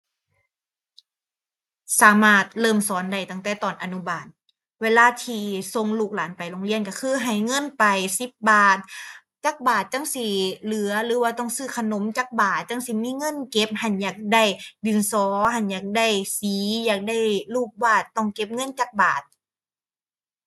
สามารถเริ่มสอนได้ตั้งแต่ตอนอนุบาล เวลาที่ส่งลูกหลานไปโรงเรียนก็คือให้เงินไปสิบบาท จักบาทจั่งสิเหลือ หรือว่าต้องซื้อขนมจักบาทจั่งสิมีเงินเก็บ หั้นอยากได้ดินสอ หั้นอยากได้สี อยากได้รูปวาด ต้องเก็บเงินจักบาท ⁠